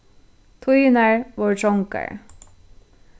tíðirnar vóru trongar